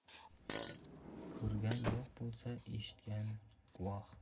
ko'rgan yo'q bo'lsa eshitgan guvoh